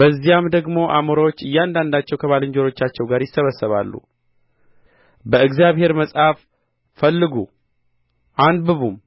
በዚያም ደግሞ አሞራዎች እያንዳንዳቸው ከባልንጀሮቻቸው ጋር ይሰበሰባሉ በእግዚአብሔር መጽሐፍ ፈልጉ አንብቡም